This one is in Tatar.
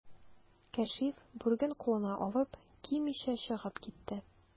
Кәшиф, бүреген кулына алып, кимичә чыгып китте.